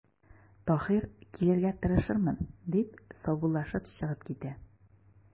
Таһир:– Килергә тырышырмын,– дип, саубуллашып чыгып китә.